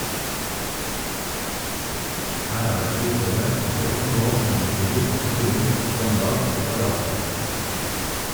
- Her er det utøvere på høyt nivå innen judo, roing, håndball og karate.